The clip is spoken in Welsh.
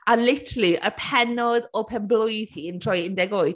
A literally y pennod o penblwydd hi yn troi un deg wyth.